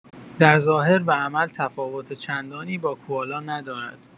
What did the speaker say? در ظاهر و عمل تفاوت چندانی با کوالا ندارد.